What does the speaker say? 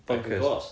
ac yn ghost